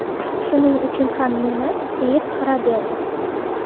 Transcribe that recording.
shuning uchun ham meni seit xira derdi